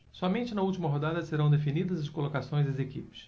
somente na última rodada serão definidas as colocações das equipes